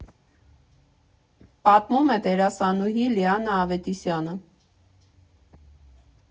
Պատմում է դերասանուհի Լիաննա Ավետիսյանը։